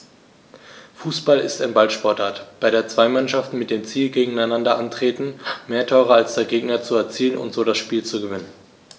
Fußball ist eine Ballsportart, bei der zwei Mannschaften mit dem Ziel gegeneinander antreten, mehr Tore als der Gegner zu erzielen und so das Spiel zu gewinnen.